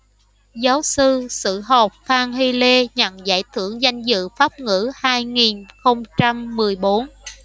giáo sư sử học phan huy lê nhận giải thưởng danh dự pháp ngữ hai nghìn không trăm mười bốn